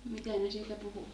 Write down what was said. mitä ne siitä puhui